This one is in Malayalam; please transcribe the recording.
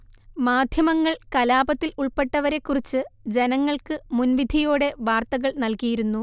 മാധ്യമങ്ങൾ കലാപത്തിൽ ഉൾപ്പെട്ടവരെക്കുറിച്ച് ജനങ്ങൾക്ക് മുൻവിധിയോടെ വാർത്തകൾ നൽകിയിരുന്നു